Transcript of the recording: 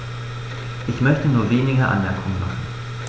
Ich möchte nur wenige Anmerkungen machen.